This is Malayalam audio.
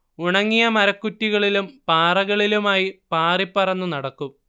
ഉണങ്ങിയ മരക്കുറ്റികളിലും പാറകളിലുമായി പാറിപ്പറന്നു നടക്കും